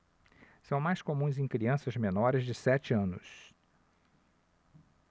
são mais comuns em crianças menores de sete anos